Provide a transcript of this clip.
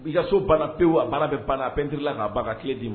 I ka so bana pe a bala bɛ ban a ptiriri la k'a ba ka ki d'i ma